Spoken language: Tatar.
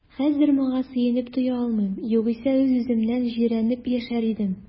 Хәзер моңа сөенеп туя алмыйм, югыйсә үз-үземнән җирәнеп яшәр идем.